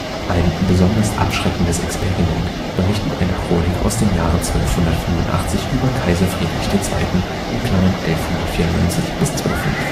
Ein besonders abschreckendes Experiment berichtet eine Chronik aus dem Jahr 1285 über Kaiser Friedrich II. (1194 – 1250